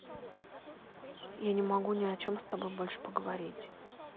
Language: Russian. я не могу ни о чем с тобой больше поговорить